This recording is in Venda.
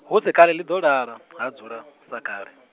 hu si kale ḽi ḓo lala, ha dzulwa, sa kale.